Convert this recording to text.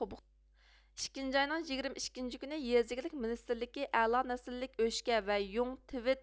ئىككىنچى ئاينىڭ يېگىرمە ئىككىنچى كۈنى يېزا ئىگىلىك مىنىستىرلىكى ئەلا نەسىللىك ئۆچكە ۋە يۇڭ تىۋىت